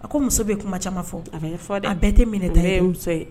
A ko muso bɛ kuma caman fɔ bɛɛ tɛ minɛ ta ye muso ye